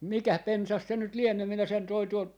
mikäs pensas se nyt lienee minä sen toin tuolta